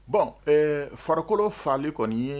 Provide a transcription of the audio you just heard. Bon farikolo farali kɔni ye